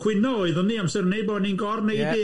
Cwyno oedden ni amser hynny bod ni'n gorwneud hi... Ie.